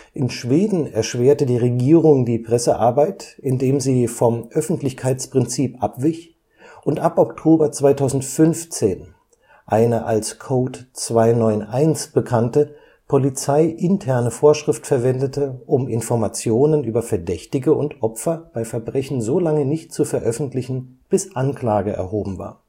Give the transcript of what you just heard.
In Schweden erschwerte die Regierung die Pressearbeit, indem sie vom Öffentlichkeitsprinzip abwich und ab Oktober 2015 eine als Code 291 bekannte, polizeiinterne Vorschrift verwendete, um Informationen über Verdächtige und Opfer bei Verbrechen solange nicht zu veröffentlichen, bis Anklage erhoben war